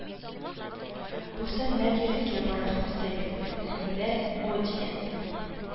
Бусы нәкъ йөрәккә барып сукты бит, хөкемдарª,ó дигәнª